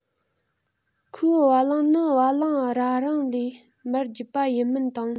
ཁོའི བ གླང ནི བ གླང རྭ རིང ལས མར བརྒྱུད པ ཡིན མིན དང